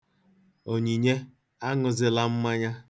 Onyinye, aṅụzịla mmanya.